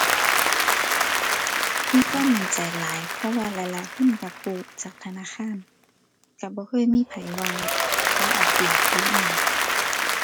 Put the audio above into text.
มีความมั่นใจหลาย เพราะว่าหลายหลายคนก็กู้จากธนาคาร ก็บ่เคยมีไผว่าเขาเอาเปรียบหรืออิหยัง